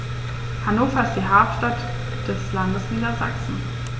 Hannover ist die Hauptstadt des Landes Niedersachsen.